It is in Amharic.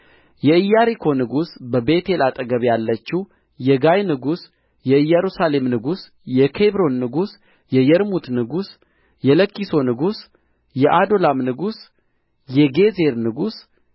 የኢያሪኮ ንጉሥ በቤቴል አጠገብ ያለችው የጋይ ንጉሥ የኢየሩሳሌም ንጉሥ የኬብሮን ንጉሥ የየርሙት ንጉሥ የለኪሶ ንጉሥ የኦዶላም ንጉሥ የጌዝር ንጉሥ